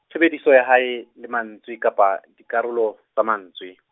tshebediso ya hae, le mantswe, kapa, dikarolo, tsa mantswe.